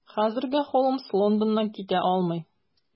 Хәзергә Холмс Лондоннан китә алмый.